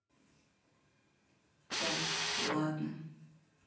так ладно